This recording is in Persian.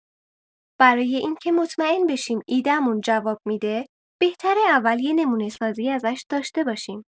برای اینکه مطمئن بشیم ایده‌مون جواب می‌ده، بهتره اول یه نمونه‌سازی ازش داشته باشیم.